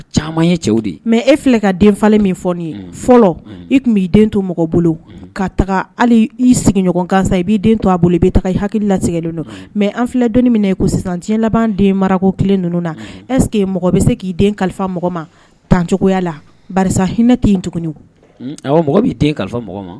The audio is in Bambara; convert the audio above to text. E denfa fɔ fɔlɔ e tun b'i den to mɔgɔ bolo ka'i sigiɲɔgɔn kan i b' to a bolo i bɛ i hakili la don mɛ an filɛ dɔnni minɛ ye sisan diɲɛ laban den mara kelen ninnu na ɛseke mɔgɔ bɛ se k'i den kalifa mɔgɔ ma tancogoya la hinɛ tɛ yen tuguni a mɔgɔ b'i kalifa ma